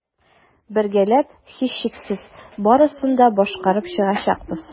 Бергәләп, һичшиксез, барысын да башкарып чыгачакбыз.